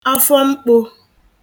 afo ̣mkpō